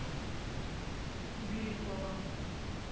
убери слова